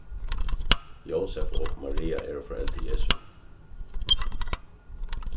jósef og maria eru foreldur jesu